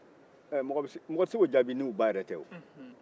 aa mɔgɔ tɛ se k'o jaabi n'u ba yɛrɛ tɛ o